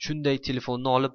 shunday telefonni olib